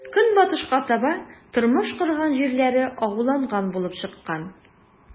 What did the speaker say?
Көнбатышка таба тормыш корган җирләре агуланган булып чыккан.